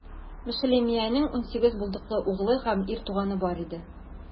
Мешелемиянең унсигез булдыклы углы һәм ир туганы бар иде.